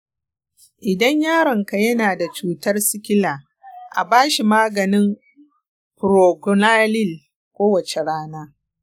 idan yaronka yana da cutar sikila, a ba shi maganin proguanil kowace rana.